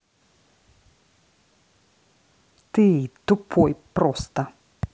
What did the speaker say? ты тупой просто